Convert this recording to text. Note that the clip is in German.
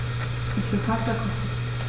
Ich will Pasta kochen.